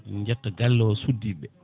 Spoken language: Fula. min jetta galle o suddiɓeɓe